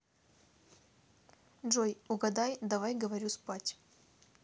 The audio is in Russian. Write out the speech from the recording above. джой угадай давай говорю спать